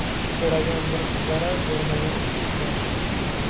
so'ragan bir qizarar bermagan ikki qizarar